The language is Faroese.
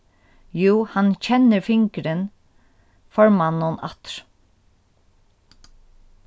jú hann kennir fingurin formanninum aftur